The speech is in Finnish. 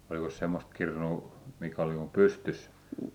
olikos semmoista kirnua mikä oli niin kuin pystyssä